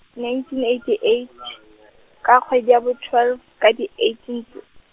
nineteen eighty eight, ka kgwedi ya bo twelve, ka di eighteen .